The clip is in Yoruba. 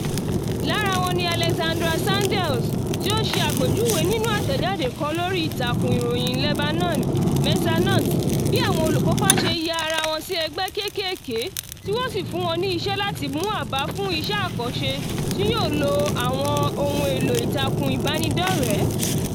Lára wọn ni Alexandra Sandels tí ó ṣe àpèjúwe nínú àtẹ̀jáde kan lórí ìtàkùn ìròyìn Lebanon, Messanat, bí àwọn olùkópa ṣe ya ara wọn sí ẹgbẹ́ kéékèèké tí wọ́n sì fún wọn ní iṣẹ́ láti mú àbá fún iṣẹ́ àkànṣe tí yóò lo àwọn ohun èlò ìtàkùn ìbánidọ́rẹ̀.